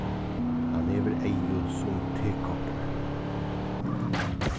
hann hevur eygu sum tekoppar